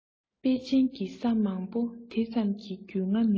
པེ ཅིང གི ས མང པོར དེ ཙམ གྱི རྒྱུས མངའ མེད